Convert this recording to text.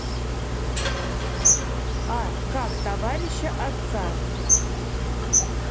а как товарища отца